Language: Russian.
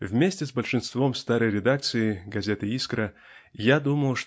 "вместе с большинством старой редакции (газеты "Искра") я думал